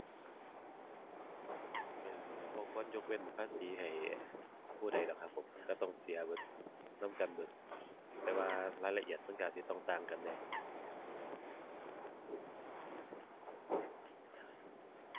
เออ บ่ควรยกเว้นภาษีให้ผู้ใดดอกครับผม มันก็ต้องเสียเบิด นำกันเบิด แต่ว่ารายละเอียดมันก็อาจสิต้องต่างกันแหน่